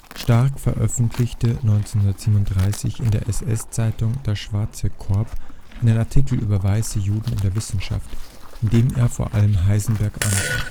Stark veröffentlichte 1937 in der SS-Zeitung „ Das Schwarze Korps “einen Artikel über „ Weiße Juden in der Wissenschaft “, in dem er vor allem Heisenberg angriff